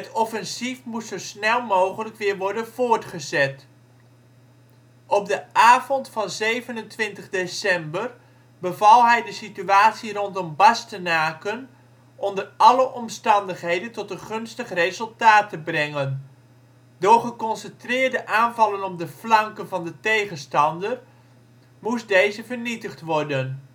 offensief moest zo snel mogelijk weer worden voortgezet. Op de avond van 27 december beval hij de situatie rondom Bastenaken onder alle omstandigheden tot een gunstig resultaat te brengen. Door geconcentreerde aanvallen op de flanken van de tegenstander, moest deze vernietigd worden